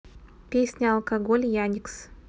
песня алкоголь яникс